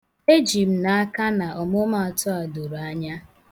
E ji m n'aka na ọmụmaatụ a doro anya.